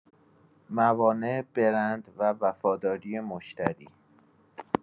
موانع برند و وفاداری مشتری